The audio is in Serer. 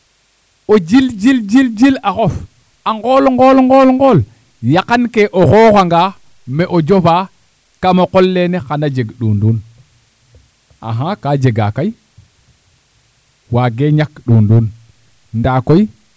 o jil jil axof ngool ngool ngool yaqankee o xooxanga me'o jofaa kamo qol leene xana jeg ɗuunduund axa kaa jegaa kay waagee ñak ɗunduund ndaa koy